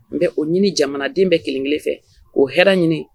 Nka o ɲini jamanaden bɛɛ kelenkelen fɛ k'o hɛrɛ ɲini